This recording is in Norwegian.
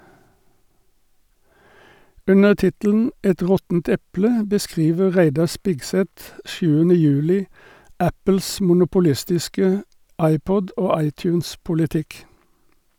Under tittelen "Et råttent eple" beskriver Reidar Spigseth 7. juli Apples monopolistiske iPod- og iTunes-politikk.